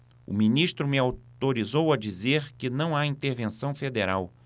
o ministro me autorizou a dizer que não há intervenção federal